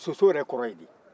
soso yɛrɛ kɔrɔ ye di